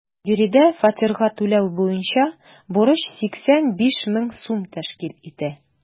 Биредә фатирга түләү буенча бурыч 85 мең сум тәшкил итә.